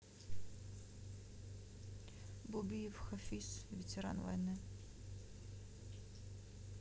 бубиев хафиз ветеран войны